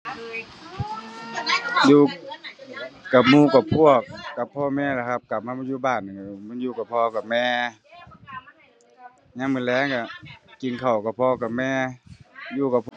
อยู่กับหมู่กับพวก กับพ่อแม่ล่ะครับ กลับมา มาอยู่บ้านนี่ก็มาอยู่กับพ่อกับแม่ ยามมื้อแลงก็กินข้าวกับพ่อกับแม่ อยู่กับ